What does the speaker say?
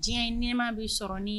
Diɲɛ ye nɛma bɛ sɔrɔ nin